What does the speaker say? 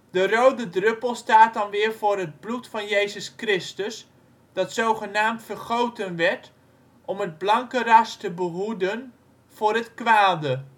De rode druppel staat dan weer voor het bloed van Jezus Christus dat zogenaamd vergoten werd " om het blanke ras te behoeden voor het Kwade